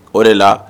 O de la